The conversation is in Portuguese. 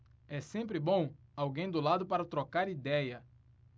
é sempre bom alguém do lado para trocar idéia